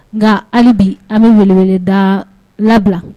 Nka hali bi an bɛ weleele da labila